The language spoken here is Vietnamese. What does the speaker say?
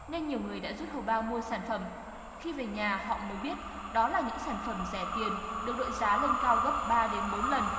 nên nhiều người đã rút hầu bao mua sản phẩm khi về nhà họ mới biết đó là những sản phẩm rẻ tiền được đội giá lên cao gấp ba đến bốn lần